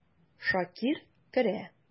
Шакир керә.